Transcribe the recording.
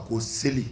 A ko seli